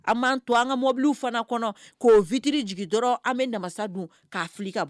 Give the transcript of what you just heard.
An' to an ka mɔbili fana kɔnɔ k'o vtiri jigin dɔrɔn an bɛ namasa dun k' fili ka